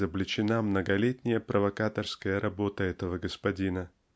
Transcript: изобличена многолетняя провокаторская работа этого господина.